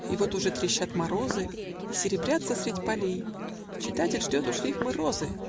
И вот уже трещат морозы И серебрятся средь полей. (Читатель ждет уж рифмы розы